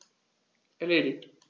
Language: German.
Erledigt.